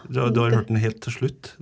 du har du har hørt den helt til slutt?